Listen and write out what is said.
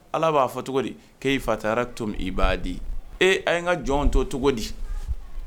Ala b'a fɔ cogo di''i fa taara to min i b'a di e a ye n ka jɔn to cogo di